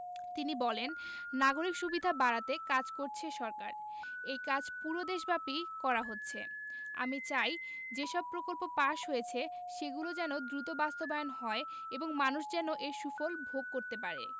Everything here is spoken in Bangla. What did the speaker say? তিনি বলেন নাগরিক সুবিধা বাড়াতে কাজ করছে সরকার এই কাজ পুরো দেশব্যাপী করা হচ্ছে আমি চাই যেসব প্রকল্প পাস হয়েছে সেগুলো যেন দ্রুত বাস্তবায়ন হয় এবং মানুষ যেন এর সুফল ভোগ করতে পারেন